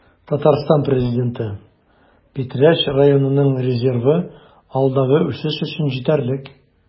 Татарстан Президенты: Питрәч районының резервы алдагы үсеш өчен җитәрлек